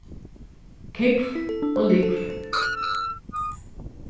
kúgv og lúgv